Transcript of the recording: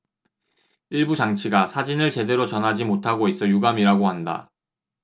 일부 장치가 사진을 제대로 전하지 못하고 있어 유감이라고 한다